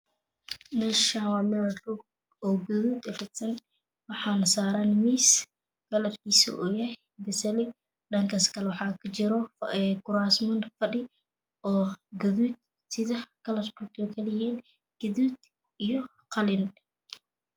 Meeshan waa meel roog guduudan uu fidasanyahay waxaana saaran miis kalarkiisu uuyahay basali halakaas kale waxaa kajiro kuraasman fadhi oo gaduud xiga kalarkoda guduud iyo qalin